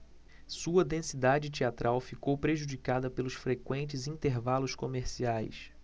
sua densidade teatral ficou prejudicada pelos frequentes intervalos comerciais